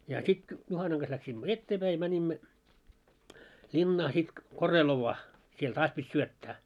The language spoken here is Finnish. ja sitten Juhanan kanssa lähdimme eteenpäin ja menimme linnaan sitten Korelovaan siellä taas piti syöttää